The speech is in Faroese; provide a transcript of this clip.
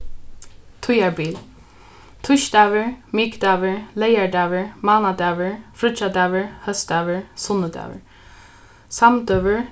tíðarbil týsdagur mikudagur leygardagur mánadagur fríggjadagur hósdagur sunnudagur samdøgur